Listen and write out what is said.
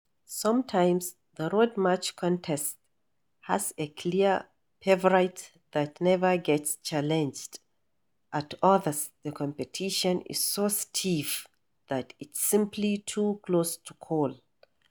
Sometimes, the Road March contest has a clear favourite that never gets challenged; at others, the competition is so stiff that it's simply too close to call.